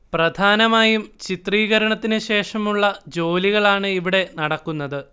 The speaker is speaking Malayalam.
പ്രധാനമായും ചിത്രീകരണത്തിന് ശേഷമുള്ള ജോലികളാണ് ഇവിടെ നടക്കുന്നത്